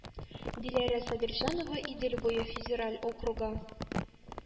Диләрә Сабирҗанова Идел буе федераль округы